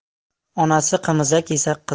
onasi qimizak yesa